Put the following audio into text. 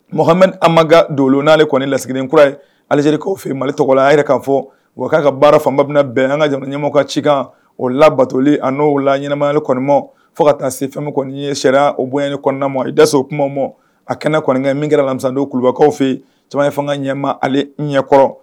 Mahame a ma ka donl n'ale kɔni lasigikura ye alizerikaw f yen mali tɔgɔla a yɛrɛ ka fɔ wa'a ka baara fanba min bɛn an ka jamana ɲɛmɔgɔ ka ci kan o la battoli n'o la ɲɛnamayali kɔnɔma fɔ ka taa se fɛn kɔni ye sariya o bɔli kɔnɔma i daso o tuma mɔ a kɛnɛ kɔnikɛ min kɛra lamisa ku kulubalikaw fɛ yen caman ye fanga ɲɛmaa ale ɲɛkɔrɔ